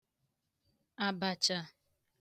àbàchà